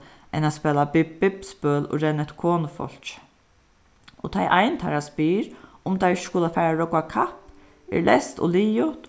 enn at spæla bipp bipp-spøl og renna eftir konufólki og tá ið ein teirra spyr um teir ikki skulu fara at rógva kapp er leyst og liðugt